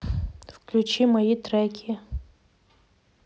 включи мои треки